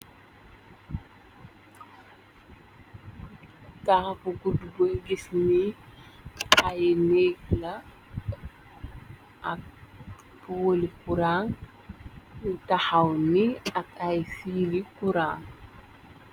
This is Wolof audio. Taax bu guddu bu gis ni, ay neeg la ak poli kuran, bu taxaw ni ak ay fili kuran.